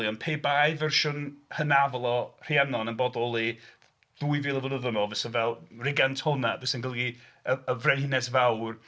Ond pe bai fersiwn hynafol o Rhiannon yn bodoli ddwy fil o flynyddoedd yn ôl fyse fel Rīgantonā, sy'n golygu y frenhines fawr.